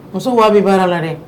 Muso wa bɛ baara la dɛ